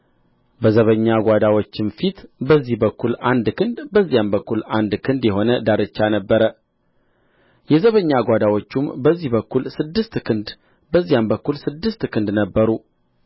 በዘበኛ ጓዳዎችም ፊት በዚህ በኩል አንድ ክንድ በዚያም በኩል አንድ ክንድ የሆነ ዳርቻ ነበረ የዘበኛ ጓዳዎቹም በዚህ በኩል ስድስት ክንድ በዚያም በኩል ስድስት ክንድ ነበሩ